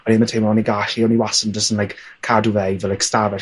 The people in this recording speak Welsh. o'n i 'im yn teimlo o'n i gall o'n i wastad yn jys yn like cadw fe i fy like stafell